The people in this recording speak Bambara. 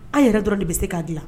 An yɛrɛ dɔrɔn de bɛ se k'a di la